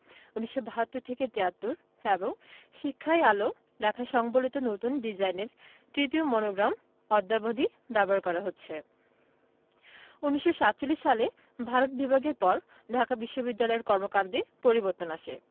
১৯৭২ থেকে ৭৩ এবং শিক্ষাই আলো লেখা সম্বলিত নতুন ডিজাইনের তৃতীয় মনোগ্রাম অদ্যাবধি ব্যবহার করা হচ্ছে ১৯৪৭ সালে ভারত বিভাগের পর ঢাকা বিশ্ববিদ্যালয়ের কর্মকান্ডে পরিবর্তন আসে